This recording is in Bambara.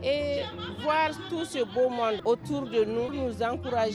Ee waa tu se'o ma o tuuru de n ninnu zankurara